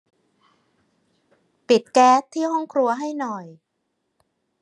ปิดแก๊สที่ห้องครัวให้หน่อย